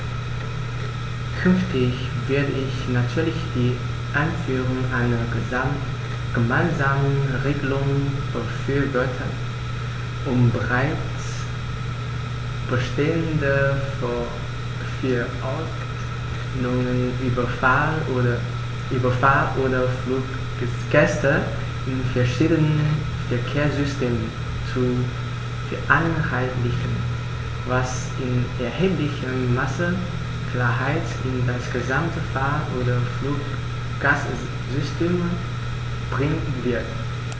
Künftig würde ich natürlich die Einführung einer gemeinsamen Regelung befürworten, um bereits bestehende Verordnungen über Fahr- oder Fluggäste in verschiedenen Verkehrssystemen zu vereinheitlichen, was in erheblichem Maße Klarheit in das gesamte Fahr- oder Fluggastsystem bringen wird.